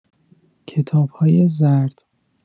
کتاب‌های زرد